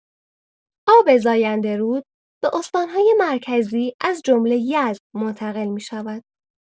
آب زاینده‌رود به استان‌های مرکزی از جمله یزد منتقل می‌شود.